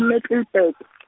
Middelburg .